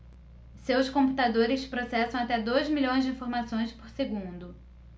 seus computadores processam até dois milhões de informações por segundo